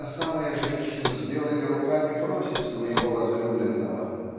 эта самая женщина с белыми руками просит своего возлюбленного